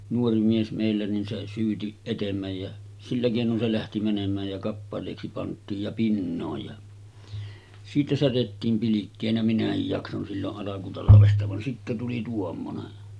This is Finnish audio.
nuori mies meillä niin se syyti etemmä ja sillä keinoin se lähti menemään ja kappaleiksi pantiin ja pinoon ja siitä särjettiin pilkkeenä minäkin jaksoin silloin alkutalvesta vaan sitten tuli tuommoinen